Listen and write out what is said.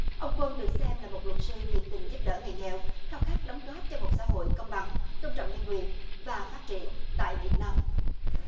ông quân được xem là một luật sự nhiệt tình giúp đỡ người nghèo khao khát đóng góp cho một xã hội công bằng tôn trọng nhân quyền và phát triển tại việt nam